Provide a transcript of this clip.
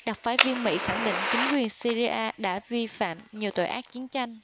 đặc phái viên mỹ khẳng định chính quyền syria đã vi phạm nhiều tội ác chiến tranh